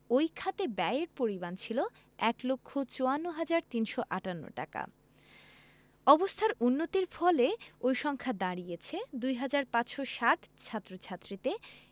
ওই খাতে ব্যয়ের পরিমাণ ছিল ১ লক্ষ ৫৪ হাজার ৩৫৮ টাকা অবস্থার উন্নতির ফলে ওই সংখ্যা দাঁড়িয়েছে ২ হাজার ৫৬০ ছাত্রছাত্রীতে